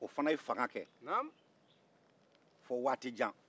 o fana ye fanga kɛ fo waati jan